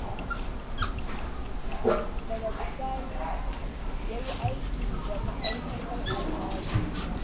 Daga bisani ya yi aiki da Ma'aikatar Al'adu.